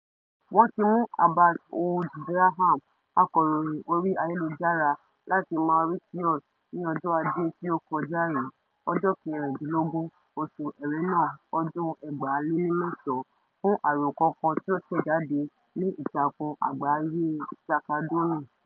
Wọ́n ti mú Abbass Ould Braham, akọ̀ròyìn orí ayélujára láti Mauritius ní ọjọ́ Ajé tí ó kọjá yìí, 16 oṣù Ẹrẹ́nà ọdún 2009, fún àròkọ kan tí ó tẹ̀ jáde ní ìtakùn àgbáyé Taqadoumy.